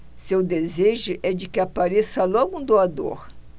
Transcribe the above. seu desejo é de que apareça logo um doador